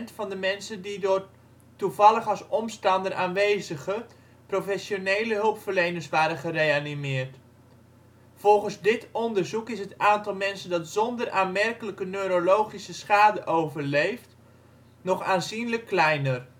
van de mensen die door (toevallig als omstander aanwezige) professionele hulpverleners waren gereanimeerd. Volgens dit onderzoek is het aantal mensen dat zonder aanmerkelijke neurologische schade overleeft, nog aanzienlijk kleiner